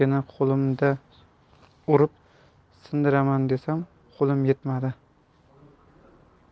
oynagini qo'limda urib sindiraman desam qo'lim yetmadi